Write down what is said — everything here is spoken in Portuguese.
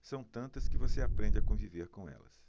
são tantas que você aprende a conviver com elas